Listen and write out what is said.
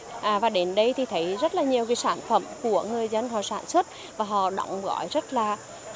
à và đến đây thì thấy rất là nhiều cái sản phẩm của người dân họ sản xuất và họ đóng gói rất là